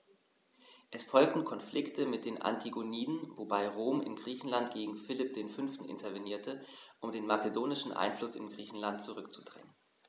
Es folgten Konflikte mit den Antigoniden, wobei Rom in Griechenland gegen Philipp V. intervenierte, um den makedonischen Einfluss in Griechenland zurückzudrängen.